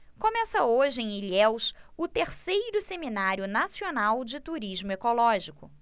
começa hoje em ilhéus o terceiro seminário nacional de turismo ecológico